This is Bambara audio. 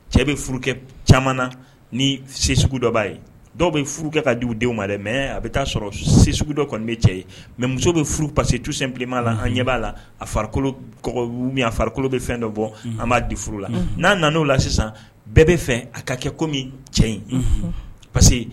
Cɛ bɛ furu kɛ caman na ni se sugu dɔ b'a ye dɔw bɛ furu kɛ ka du denw ma dɛ mɛ a bɛ taa sɔrɔ se sugu dɔ kɔni bɛ cɛ ye mɛ muso bɛ furu pa que tusen bilen'a la a ɲɛ b'a la a farikolo a farikolo bɛ fɛn dɔ bɔ a b'a di furu la n'a nan'o la sisan bɛɛ bɛ fɛ a ka kɛ komimi cɛ in parce